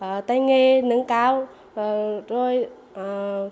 tay nghề nâng cao rồi à